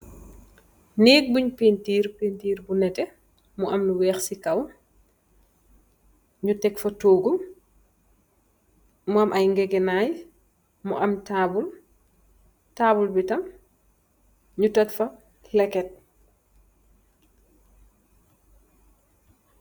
Neek bugn paintirr paintirr bu neete, mu amm weekh si kaaw, nyu tekk fa toogu, mu amm ay gaganay, mu amm taabul. Taabul bi tam nyu tekk fa leeket.